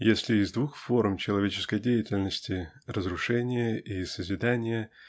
Если из двух форм человеческой деятельности -- разрушения и созидания